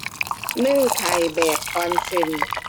นึ่งไข่แบบออนเซ็น